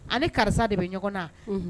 A karisa de bɛ ɲɔgɔn na